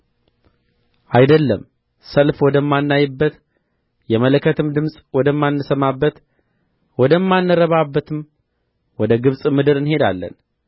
አይደለም ሰልፍ ወደማናይባት የመለከትም ድምፅ ወደማንሰማባት ወደማንራብባትም ወደ ግብጽ ምድር እንሄዳለን